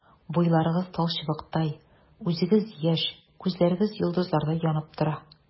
Буйларыгыз талчыбыктай, үзегез яшь, күзләрегез йолдызлардай янып тора.